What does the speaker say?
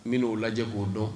N bɛ'o lajɛ k'o dɔn